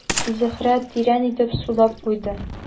Зөһрә тирән итеп сулап куйды.